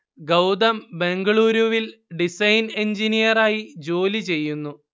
ഗൗതം ബെംഗളൂരുവിൽ ഡിസൈൻ എൻജിനീയറായി ജോലിചെയ്യുന്നു